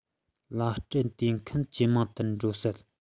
ལ སྤྲད དེ མཁན ཇེ མང དུ འགྲོ སྲིད